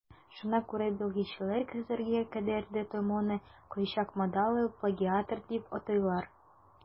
Шуңа күрә белгечләр хәзергә кадәр де Томонны кайчак модалы плагиатор дип атыйлар.